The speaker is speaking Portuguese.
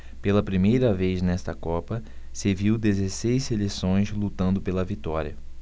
pela primeira vez nesta copa se viu dezesseis seleções lutando pela vitória